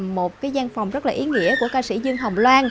một cái gian phòng rất là ý nghĩa của ca sĩ dương hồng loan